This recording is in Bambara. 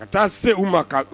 Ka taa se u ma ka